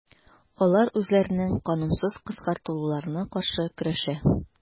Алар үзләренең канунсыз кыскартылуына каршы көрәшә.